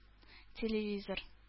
Телевизор